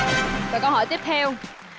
và câu hỏi tiếp theo